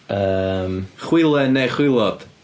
Yym... chwilen neu chwilod.